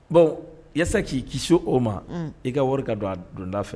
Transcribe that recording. Bon yasa k'i kisi o ma unh i ka wɔri ka don a d donda fɛ